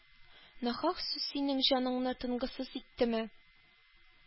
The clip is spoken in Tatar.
— нахак сүз синең җаныңны тынгысыз иттеме?